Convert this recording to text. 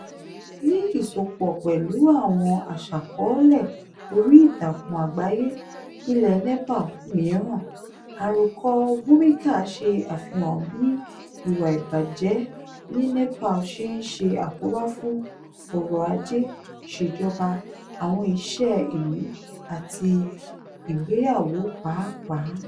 Ní ìsopọ̀ pẹ̀lú àwọn aṣàkọọ́lẹ̀ oríìtakùn àgbáyé ilẹ̀ Nepal mìíràn, àròkọ Bhumika ṣe àfihàn bí ìwà ìbàjẹ́ ní Nepal ṣe ń ṣe àkóbá fún ọrọ̀-ajé, ìṣèjọba, àwọn iṣẹ́ ìlú àti ìgbéyàwó pàápàá.